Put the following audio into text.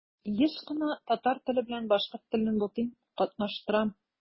Еш кына татар теле белән башкорт телен бутыйм, катнаштырам.